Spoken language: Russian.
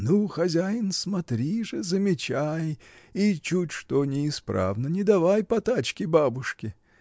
— Ну, хозяин, смотри же, замечай, и чуть что неисправно, не давай потачки бабушке.